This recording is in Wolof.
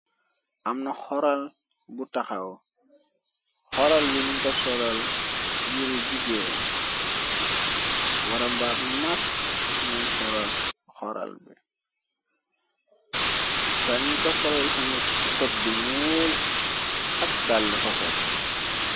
Amna xoral bu taxaw xoral bi ni ko soral yiri jigeen waramba bu mag neen soral xoral bi tañ ko solo itami teg bu ñuul ak dall koket.